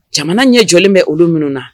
Jamana ɲɛ jɔlen bɛ olu minnu na